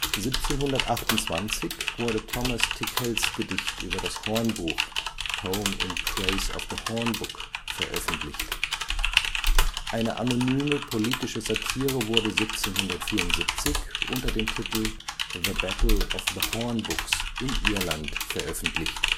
1728 wurde Thomas Tickells Gedicht über das Hornbuch (Poem in Praise of the Horn-Book) veröffentlicht. Eine anonyme politische Satire wurde 1774 unter dem Titel The Battle of the Horn-Books in Irland veröffentlicht